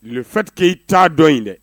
Le fait que i t'a dɔn in dɛ